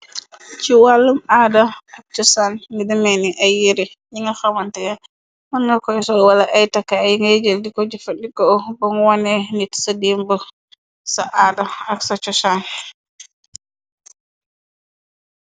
Ci wàllum aada ak coshan medemeni ay yari yi nga xawante ya mën nga koysol. Wala ay takka ay ngay jël di ko jëfandiko ba nguone nit ca dimb sa aada ak sa coshan.